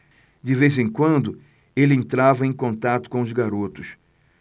de vez em quando ele entrava em contato com os garotos